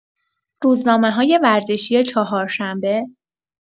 روزنامه‌های ورزشی چهارشنبه